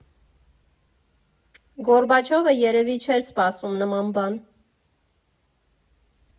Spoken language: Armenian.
Գորբաչովը երևի չէր սպասում նման բան։